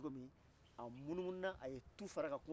ne ma a fɔ ko furamukuni morɔmorɔla ka di i ma dɛ